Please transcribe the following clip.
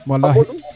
walahi